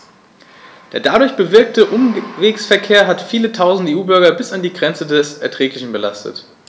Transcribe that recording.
Der dadurch bewirkte Umwegsverkehr hat viele Tausend EU-Bürger bis an die Grenze des Erträglichen belastet.